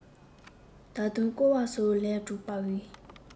ད དུང ཀོ བ སོགས ལས གྲུབ པའི